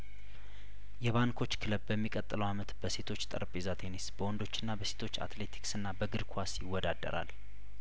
የባንኮች ክለብ በሚቀጥለው አመት በሴቶች ጠረጴዛ ቴኒስ በወንዶችና በሴቶች አትሌቲክስና በእግር ኳስ ይወዳ ደራል